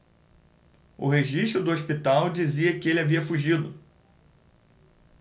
o registro do hospital dizia que ele havia fugido